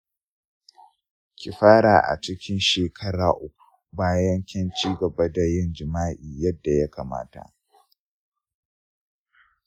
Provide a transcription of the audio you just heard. ki fara a cikin shekara uku bayan kin ci gaba da jima'i yanda ya kamata.